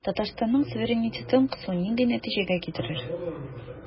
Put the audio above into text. Татарстанның суверенитетын кысу нинди нәтиҗәгә китерер?